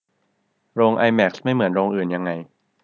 โรงไอแม็กซ์ไม่เหมือนโรงอื่นยังไง